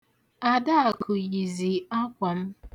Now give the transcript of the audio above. Adakụ yizi akwa m.